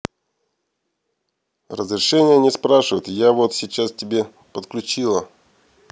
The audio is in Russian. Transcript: разрешение спрашивают я вот сейчас тебе подключила